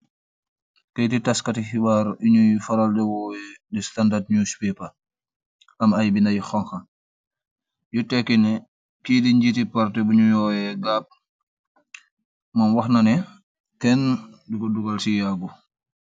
Keyti taskati xibaar yuñuy faral dewooy di standard news paper am ay binda yu xonka yu tekki ne kii di njiiti parte buñu yoowe gapp moom wax nane kenn diko dugal ci yaggu.